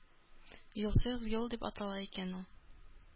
«юлсыз юл» дип атала икән ул.